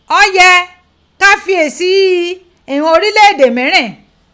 Ó yẹ ka fiyèsí ghi ní ighann orílẹ̀ èdè mìírin